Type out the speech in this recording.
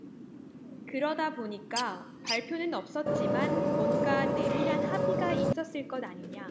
그러다 보니까 발표는 없었지만 뭔가 내밀한 합의가 있었을 것 아니냐